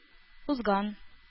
Узган